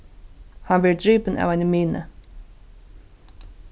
hann verður dripin av eini minu